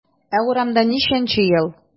Ә урамда ничәнче ел?